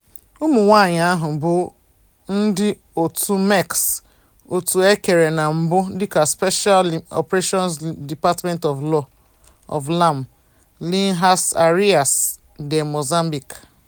Ụmụnwaanyị ahụ bụ ndị òtù MEX, òtù e kere na mbụ dịka Special Operations Department of LAM — Linhas Aéreas de Moçambique.